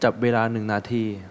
จับเวลาหนึ่งนาที